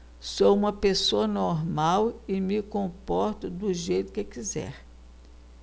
sou homossexual e me comporto do jeito que quiser